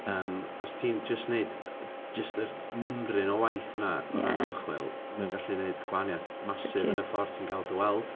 Yym, os ti'n jyst wneud jyst yr mymryn o waith yna, o ran ymchwil, mae o'n gallu neud gwahaniaeth massive yn y ffordd ti'n gael dy weld.